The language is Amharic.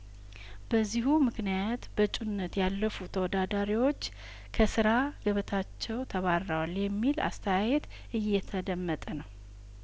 በዚሁ ምክንያት በእጩነት ያለፉ ተወዳዳሪዎች ከስራ ገበታቸው ተባረዋል የሚል አስተያየት እየተደመጠ ነው